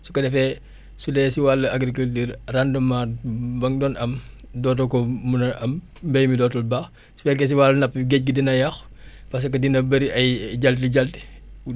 su ko defee su dee si wàll agriculture rendement ba nga doon am dootoo ko mun a am mbéy mi dootul baax su fekkee si wàll napp géej gi dina yàqu parce que dina bëri ay jaltijalti